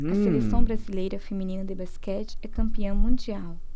a seleção brasileira feminina de basquete é campeã mundial